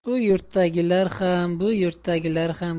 u yurtdagilar ham bu yurtdagilar ham